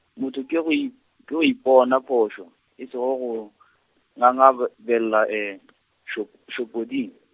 motho ke go i-, ke go ipona phošo, e sego go , ngangabe- -bella e , šop- šopoding.